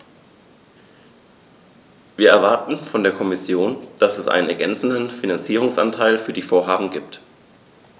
Wir erwarten von der Kommission, dass es einen ergänzenden Finanzierungsanteil für die Vorhaben gibt.